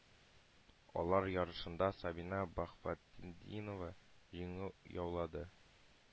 Алар ярышында сабина баһаветдинова җиңү яулады,